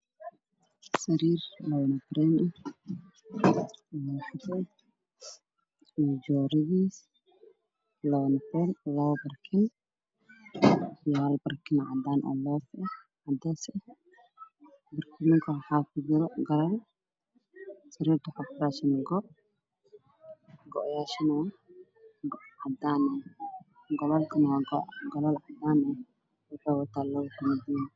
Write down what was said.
Sariir iyo joodari iyo labo barkin barkin cadaan ah iyo barkin jaalle ah sariirta waxaa korkeeda saran go